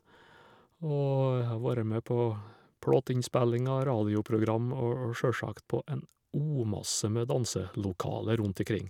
Og jeg har vorre med på plateinnspellinger, radioprogram, og og sjølsagt på en umasse med danselokaler rundt ikring.